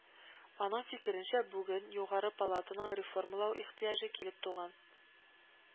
Аның фикеренчә, бүген югары палатаны реформалау ихтыяҗы килеп туган